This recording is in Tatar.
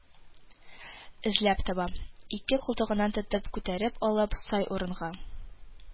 Эзләп таба, ике култыгыннан тотып, күтәреп алып, сай урынга